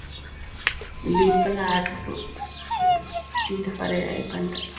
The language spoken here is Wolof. Li palat bun defare ay banta.